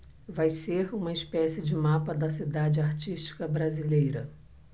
vai ser uma espécie de mapa da cidade artística brasileira